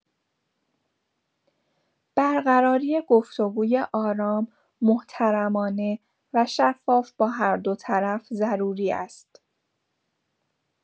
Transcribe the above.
برقراری گفت‌وگوی آرام، محترمانه و شفاف با هر دو طرف ضروری است.